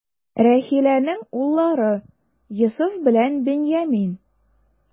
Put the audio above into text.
Рахиләнең уллары: Йосыф белән Беньямин.